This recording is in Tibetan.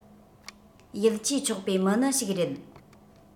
ཡིད ཆེས ཆོག པའི མི ནི ཞིག རེད